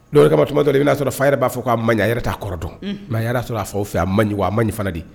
N kama kuma dɔn i n'a sɔrɔ fa yɛrɛ b'a fɔ' a ma ɲɛ a yɛrɛ t'a kɔrɔ dɔn y'a sɔrɔ a fa fɛ a man ɲi a man ɲi fana di